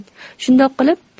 shundoq qilib